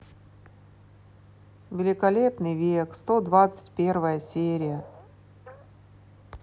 великолепный век сто двадцать первая серия